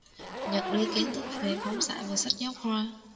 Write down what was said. nhật đưa kiến thức về phóng xạ vào sách giáo khoa